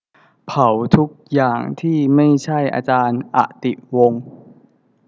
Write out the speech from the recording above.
เผาทุกอย่างที่ไม่ใช่อาจารย์อติวงศ์